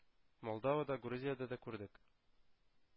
Молдовада, Грузиядә дә күрдек.